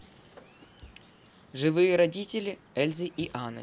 живые родители эльзы и анны